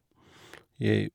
Jeg...